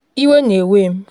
Iwe na ewe m.”